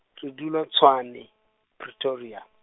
re dula Tshwane, Pretoria.